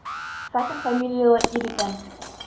Сафин фамилияле ир икән.